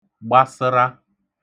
gbasə̣ra